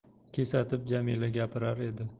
kesatib jamila gapirar edi